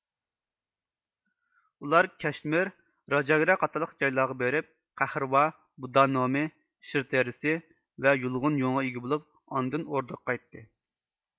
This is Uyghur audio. ئۇلار كەشمىر راجاگرا قاتارلىق جايلارغا بېرىپ قەھرىۋا بۇددا نومى شىر تېرىسى ۋە يۇلغۇن يۇڭىغا ئىگە بولۇپ ئاندىن ئوردىغا قايتتى